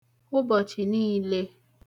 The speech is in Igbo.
ụbọ̀chị̀ niīlē